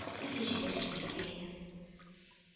Үзе җитәкчелек итә иде